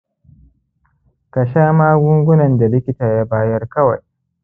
ka sha magungunan da likita ya bayar kawai